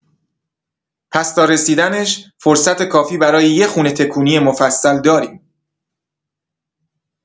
پس تا رسیدنش فرصت کافی برای یه خونه تکونی مفصل داریم.